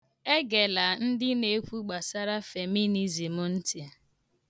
Egela ndị na ekwu gbasara feminizm ntị.